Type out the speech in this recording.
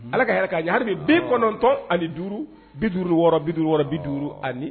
Ala ka hɛra k'a ɲe hali bi 95 56 56 50 ani